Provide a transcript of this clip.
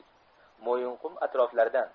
mo'yinqum atroflaridan